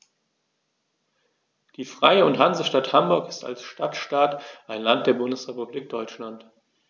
Die Freie und Hansestadt Hamburg ist als Stadtstaat ein Land der Bundesrepublik Deutschland.